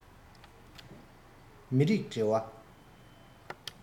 མི རིགས འབྲེལ བ